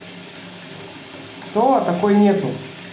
кто такой нету